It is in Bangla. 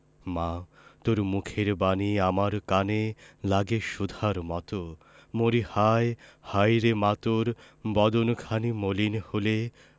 মা তোর মুখের বাণী আমার কানে লাগে সুধার মতো মরিহায় হায়রে মা তোর বদন খানি মলিন হলে